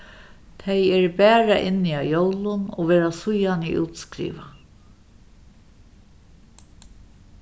tey eru bara inni á jólum og verða síðani útskrivað